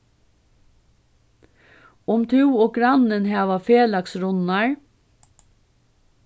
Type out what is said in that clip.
um tú og grannin hava felags runnar